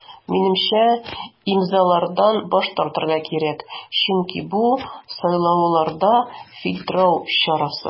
Минемчә, имзалардан баш тартырга кирәк, чөнки бу сайлауларда фильтрлау чарасы.